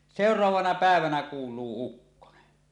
seuraavana päivänä kuuluu ukkonen